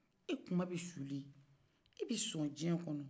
e kunma bɛ suulu yen e be sɔn diɲɛ kɔnɔ